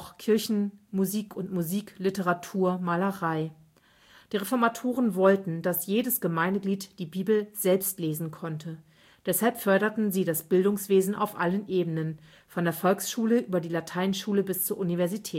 Kirchen -) Musik, Literatur, Malerei). Die Reformatoren wollten, dass jedes Gemeindeglied die Bibel selbst lesen konnte. Deshalb förderten sie das Bildungswesen auf allen Ebenen, von der Volksschule über die Lateinschule bis zur Universität